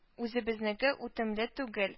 Үзебезнеке үтемле түгел